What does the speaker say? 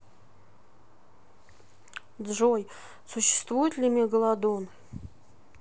joey существует ли мегалодон